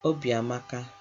amà àma